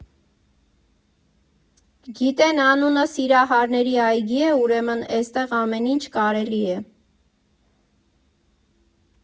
Գիտեն անունը Սիրահարների այգի է, ուրեմն էստեղ ամեն ինչ կարելի է։